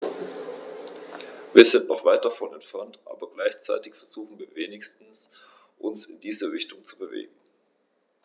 Wir sind noch weit davon entfernt, aber gleichzeitig versuchen wir wenigstens, uns in diese Richtung zu bewegen.